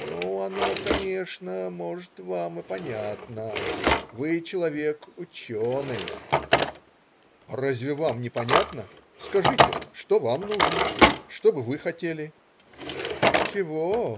"Ну, оно конечно, может, вам и понятно, вы человек ученый". "А разве вам не понятно? Скажите, что вам нужно? что бы вы хотели?" "Чего?.